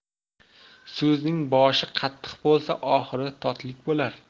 so'zning boshi qattiq bo'lsa oxiri totlik bo'lar